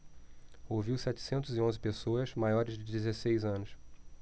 ouviu setecentos e onze pessoas maiores de dezesseis anos